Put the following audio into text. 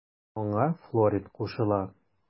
Аңа Флорид кушыла.